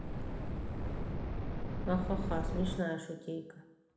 ахаха смешная шутейка